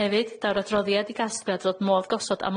Hefyd daw'r adroddiad i gasgliad fod modd gosod